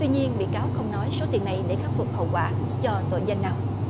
tuy nhiên bị cáo không nói số tiền này để khắc phục hậu quả cho tội danh nào